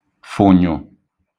fụ̀nyụ̀